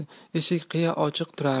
eshik qiya ochiq turardi